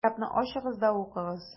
Китапны ачыгыз да укыгыз: